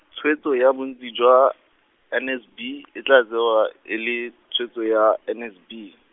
tshwetso ya bontsi jwa, N S B , e tla tsewa e le, tshwetso ya N S B.